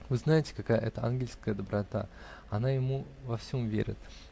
Вы знаете, какая это ангельская доброта -- она ему во всем верит.